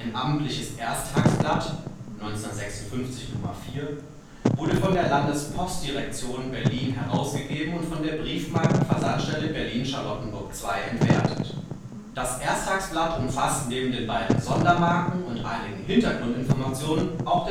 amtliches Ersttagsblatt (1956, Nr. 4) wurde von der Landespostdirektion Berlin herausgegeben und von der Briefmarken-Versandstelle Berlin-Charlottenburg 2 entwertet. Das Ersttagsblatt umfasst neben den beiden Sondermarken und einigen Hintergrundinformationen auch